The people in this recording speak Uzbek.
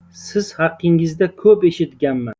siz haqingizda ko'p eshitganman